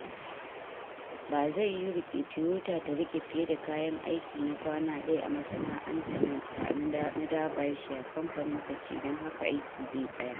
Ba zai yiyu Toyota ta rike fiye da kayan aiki na kwana daya a masana’antar ta na Derbyshire, kamfanin ta ce, dan haka aiki zai tsaya.